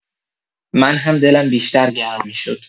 من هم دلم بیشتر گرم می‌شد.